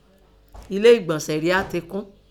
ẹlé ẹ̀gbọ̀nsẹ riá tẹ kún.